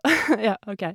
Ja, OK.